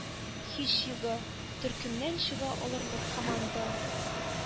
Һич югы, төркемнән чыга алырлык команда